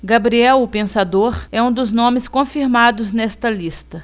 gabriel o pensador é um dos nomes confirmados nesta lista